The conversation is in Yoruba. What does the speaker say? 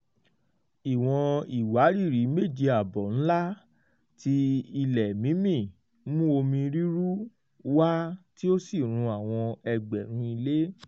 Ìwọ̀n ìwàrìrì 7.5-ńlá tí ilẹ mímì mú omi rírú wáyé tí ó sì run àwọn ẹgbẹrún ilé.